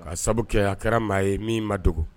Ka sabu kɛ a kɛra maa ye min ma dogo.